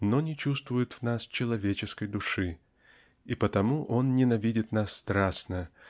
но не чувствует в нас человеческой души и потому он ненавидит нас страстно